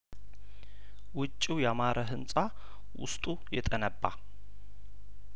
ውጭው ያማረ ህንጻ ውስጡ የጠነባ